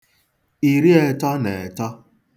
ìriẹ̄tọ̄ nà ẹ̀tọ